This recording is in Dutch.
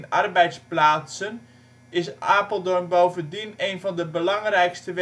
arbeidsplaatsen is Apeldoorn bovendien een van de belangrijkste werkgelegenheidscentra